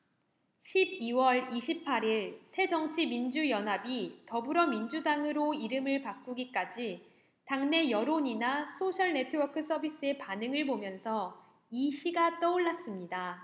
십 이 월 이십 팔 일 새정치민주연합이 더불어민주당으로 이름을 바꾸기까지 당내 여론이나 소셜네트워크서비스의 반응을 보면서 이 시가 떠올랐습니다